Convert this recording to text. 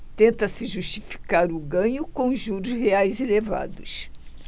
tenta-se justificar o ganho com os juros reais elevados